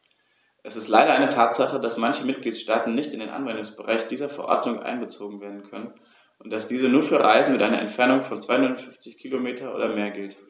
Es ist leider eine Tatsache, dass manche Mitgliedstaaten nicht in den Anwendungsbereich dieser Verordnung einbezogen werden können und dass diese nur für Reisen mit einer Entfernung von 250 km oder mehr gilt.